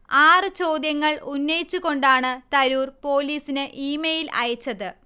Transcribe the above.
ആറ് ചോദ്യങ്ങൽ ഉന്നയിച്ചുകൊണ്ടാണ് തരൂർ പോലീസിന് ഇമെയ്ൽ അയച്ചത്